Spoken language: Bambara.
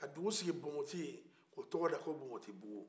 ka dugu sigi bonboti yen k'o tɔgɔda ko bonbotibugu